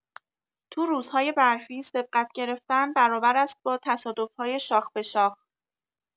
تو روزهای برفی سبقت گرفتن برابر است با تصادف‌های شاخ به شاخ!